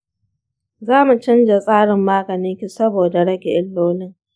zamu canza tsarin maganinki saboda rage illolin.